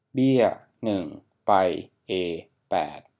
เบี้ยหนึ่งไปเอแปด